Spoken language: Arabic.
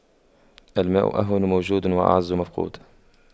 الماء أهون موجود وأعز مفقود